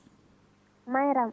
Mairame